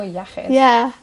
...fwy iachus. Ie.